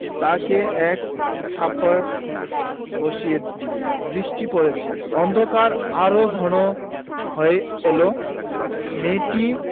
তাকে এক থাপ্পড় বসিয়ে দিলে বৃষ্টি পরছে অন্ধকার আরো ঘন হয়ে এল মেয়েটি